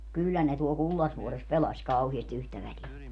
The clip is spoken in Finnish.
kyllä ne tuolla Kullasvuoressa pelasi kauheasti yhtä väliä